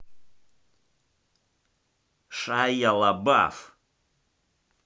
шайа лабаф